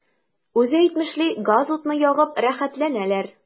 Үзе әйтмешли, газ-утны ягып “рәхәтләнәләр”.